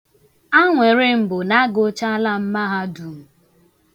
Aṅụrị m bụ na agụchala m mahadum.